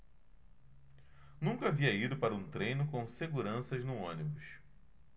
nunca havia ido para um treino com seguranças no ônibus